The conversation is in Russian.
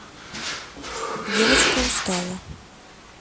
девочка устала